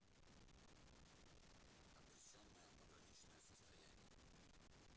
обреченная пограничное состояние